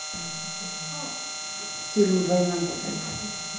фильм война богов